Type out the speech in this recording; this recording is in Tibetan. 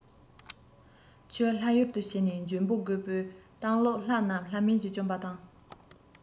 ཁྱོད ལྷ ཡུལ དུ ཕྱིན ནས འཇོན པོ རྒོས པོ བཏང ལུགས ལྷ རྣམས ལྷ མིན གྱིས བཅོམ པ དང